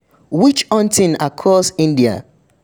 Witch-hunting across India